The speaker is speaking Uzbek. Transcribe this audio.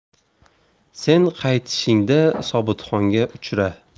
sen qaytishingda sobitxonga uchra